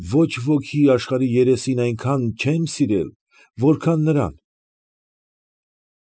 Ոչ ոքի աշխարհի երեսին այնքան չեմ սիրել, որքան նրան»։